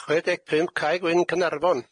Chwe deg pump Cae Gwyn, Caernarfon.